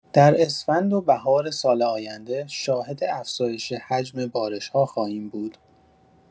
در اسفند و بهار سال آینده شاهد افزایش حجم بارش‌ها خواهیم بود.